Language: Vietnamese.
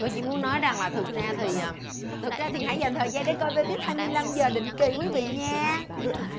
cô chỉ muốn nói rằng là thực ra thì ờ thực ra thì hãy giành thời gian để coi vê vít hai mươilăm giờ định kì quý vị nha